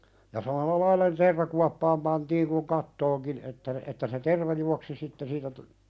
ja samalla lailla ne tervakuoppaan pantiin kuin kattoonkin että että se terva juoksi sitten siitä -